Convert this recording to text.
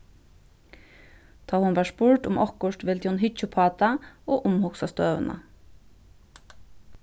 tá hon varð spurd um okkurt vildi hon hyggja uppá tað og umhugsa støðuna